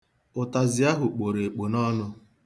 Ụtazị ahụ kporo ekpo n'ọnụ.